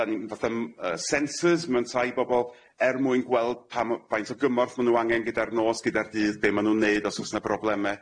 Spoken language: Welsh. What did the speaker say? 'Dan ni'n fatha m- yy sensors mewn tai bobol er mwyn gweld pa m- faint o gymorth ma' nw angen gyda'r nos gyda'r dydd be' ma' nw'n neud os o's na brobleme.